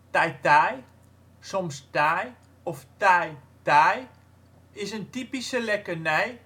Taaitaai (soms: taai of taai taai) is een typische lekkernij